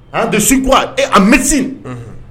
Aa don ko a misi